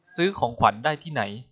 ซื้อของขวัญได้ที่ไหน